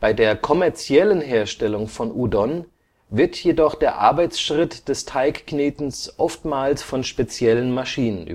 der kommerziellen Herstellung von Udon wird jedoch der Arbeitsschritt des Teigknetens oftmals von speziellen Maschinen